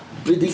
Be' 'di?